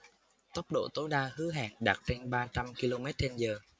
tốc độ tối đa hứa hẹn đạt trên ba trăm ki lô mét trên giờ